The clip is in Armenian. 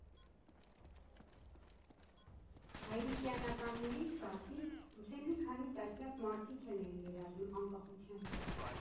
Հայրիկյանականներից բացի գուցե մի քանի տասնյակ մարդիկ էլ էին երազում անկախության մասին։